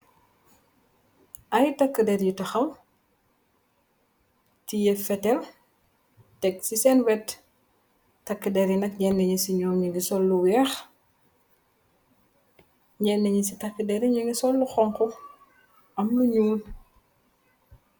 Ay takk der yu taxam , tiyéf fetel, teg ci seen wett, takk deri nak ñenn ñi ci ñoo ningi sollu weex, ñenn ñi ci tak deri ñingi sollu xonk am nu ñuul.